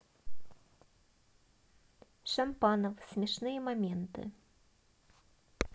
шампанов смешные моменты